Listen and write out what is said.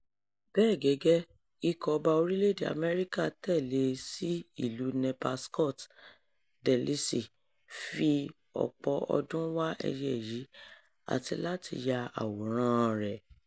Bẹ́ẹ̀ gẹ́gẹ́, ikọ̀-ọba orílẹ̀-èdè America tẹ́lẹ̀ sí ìlú Nepal Scott DeLisi fi ọ̀pọ̀ ọdún wá ẹyẹ yìí àti láti ya àwòrán-an rẹ̀.